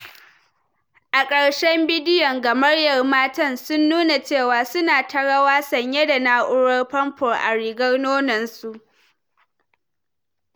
a karshen bidio gamayyar matan sun nuna cewa su na ta rawa sanye da nau’rar famfon a rigar nonon su.